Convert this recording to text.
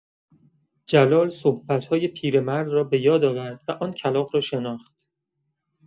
جلال صحبت‌های پیرمرد را بۀاد آورد و آن کلاغ را شناخت.